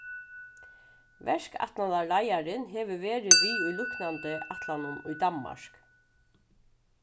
verkætlanarleiðarin hevur verið við í líknandi ætlanum í danmark